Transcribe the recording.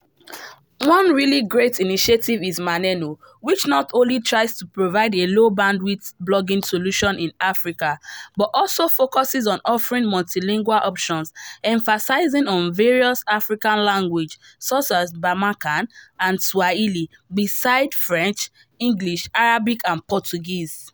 One really great initiative is Maneno, which not only tries to provide a low bandwidth blogging solution in Africa, but also focuses on offering multilingual options emphasising on various African languages such as Bamanankan and Swahili, beside French, English, Arabic and Portuguese.